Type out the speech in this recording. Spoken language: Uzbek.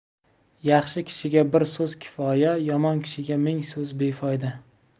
yaxshi kishiga bir so'z kifoya yomon kishiga ming so'z befoyda